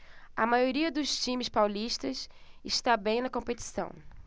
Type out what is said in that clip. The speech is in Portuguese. a maioria dos times paulistas está bem na competição